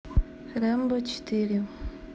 рембо четыре